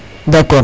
d' accord